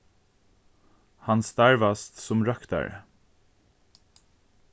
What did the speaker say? hann starvast sum røktari